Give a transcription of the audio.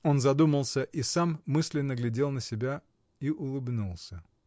Он задумался, и сам мысленно глядел на себя и улыбнулся.